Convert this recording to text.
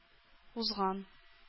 Узган